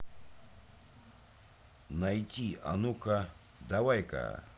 найти а ну ка давай ка